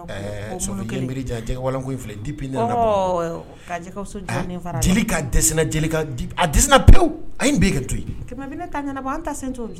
Sojɛ filɛ di ka jeli ana a kɛ to